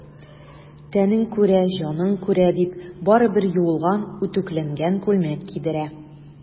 Тәнең күрә, җаның күрә,— дип, барыбер юылган, үтүкләнгән күлмәк кидерә.